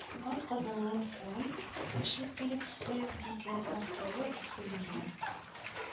Атказанган фән эшлеклесе» дигән мактаулы исем бирелә